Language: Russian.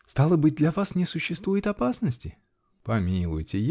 Стало быть, для вас не существует опасности? -- Помилуйте!